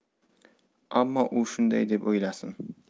ammo u shunday deb o'ylasin